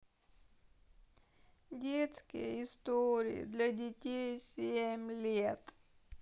детские истории для детей семь лет